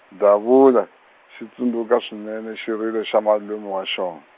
Davula, xi tsundzuka swinene xirilo xa malume wa xona.